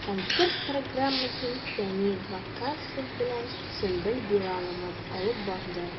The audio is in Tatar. Концерт программасын Фәнил Ваккасов белән Сөмбел Билалова алып барды.